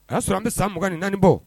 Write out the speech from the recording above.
A y' sɔrɔ an bɛ san mugan ni naaniani bɔ